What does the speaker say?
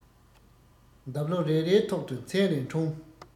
འདབ ལོ རེ རེའི ཐོག ཏུ མཚན རེ འཁྲུངས